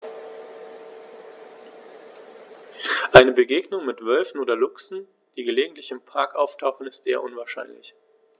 Eine Begegnung mit Wölfen oder Luchsen, die gelegentlich im Park auftauchen, ist eher unwahrscheinlich.